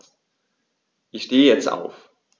Ich stehe jetzt auf.